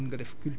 dëgg la